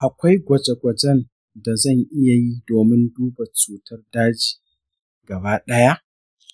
akwai gwaje-gwajen da zan iya yi domin duba cutar daji gaba ɗaya?